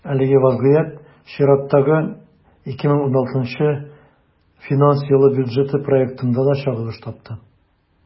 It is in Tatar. Әлеге вазгыять чираттагы, 2016 финанс елы бюджеты проектында да чагылыш тапты.